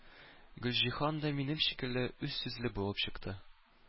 Гөлҗиһан да минем шикелле үзсүзле булып чыкты.